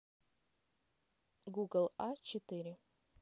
google а четыре